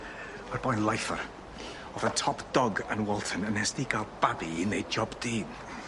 Ma'r boi'n lifer o'dd o'n top dog yn Walton a nes ti ga'l babi i neud job dyn.